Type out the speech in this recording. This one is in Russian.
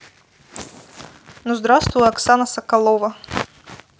ну здравствуй оксана соколова